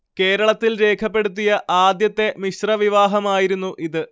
കേരളത്തിൽ രേഖപ്പെടുത്തിയ ആദ്യത്തെ മിശ്രവിവാഹമായിരുന്നു ഇത്